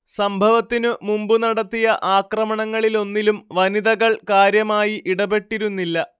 സംഭവത്തിനു മുമ്പ് നടത്തിയ ആക്രമണങ്ങളിലൊന്നിലും വനിതകൾ കാര്യമായി ഇടപെട്ടിരുന്നില്ല